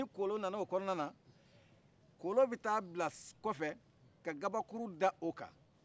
ni kolon nanao kɔnɔna na kolon bɛ ta bila kɔfɛ ka kabakuru d'o kan